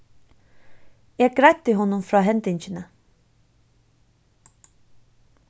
eg greiddi honum frá hendingini